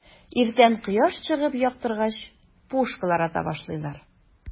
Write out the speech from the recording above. Иртән кояш чыгып яктыргач, пушкалар ата башлыйлар.